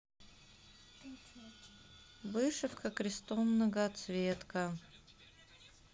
вышивка крестом многоцветка